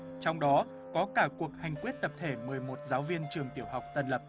trong đó có cả cuộc hành quyết tập thể mười một giáo viên trường tiểu học tân lập